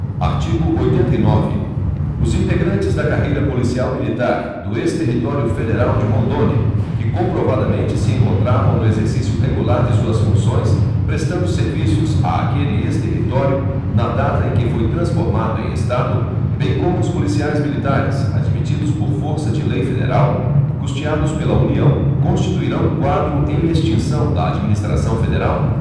artigo oitenta e nove os integrantes da carreira policial militar do ex território federal de rondônia que comprovadamente se encontravam no exercício regular de suas funções prestando serviços àquele ex território na data em que foi transformado em estado bem como os policiais militares admitidos por força de lei federal custeados pela união constituirão quadro em extinção da administração federal